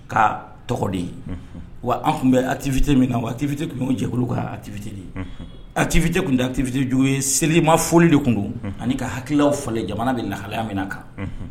Ka tɔgɔ de wa an tun bɛ atifit min na wa tifite tun ye jɛkulu kan a tifittiri de a tifite tun tifittirij ye seli ma foli de tun don ani ka hakiliw falen jamana de layamina kan